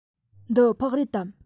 འདི ཕག རེད དམ